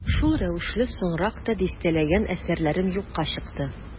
Шул рәвешле соңрак та дистәләгән әсәрләрем юкка чыкты.